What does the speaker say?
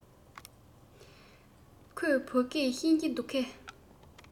ཁོས བོད སྐད ཤེས ཀྱི འདུག གས